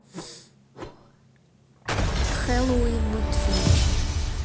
хэллоуин мультфильм